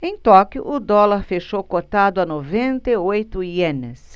em tóquio o dólar fechou cotado a noventa e oito ienes